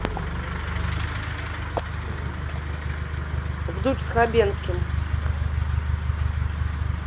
вдудь с хабенским